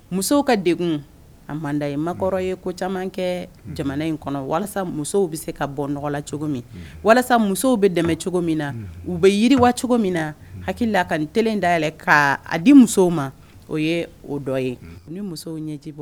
Musow ka dekun manden ye ma kɔrɔ ye ko caman kɛ jamana in kɔnɔ walasa musow bɛ se ka bɔ nɔgɔla cogo min walasa musow bɛ dɛmɛ cogo min na u bɛ yiriwa cogo min na hakili ka t daɛlɛn k ka a di musow ma o ye o dɔ ye musow ɲɛ ji bɔ